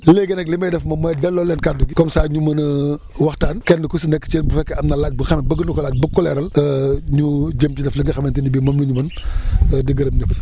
léegi nag li may def moom mooy delloo leen kàddu gi comme ça ñu mën a waxtaan kenn ku si nekk ci yéen bu fekkee am na laaj boo xam ne bëgg na ko laaj bëgg ko leeral ñu jéem ci def li nga xamante ne bii moom la ñu mën di gërëm ñëpp